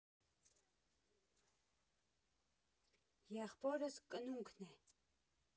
Եղբորս կնունքն է։